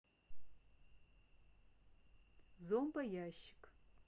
зомбоящик